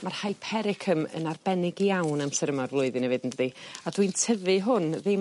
Ma'r Hypericum yn arbennig iawn amser yma o'r flwyddyn efyd yndydi? A dwi'n tyfu hwn ddim